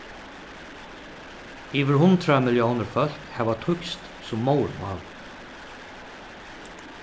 yvir hundrað milliónir fólk hava týskt sum móðurmál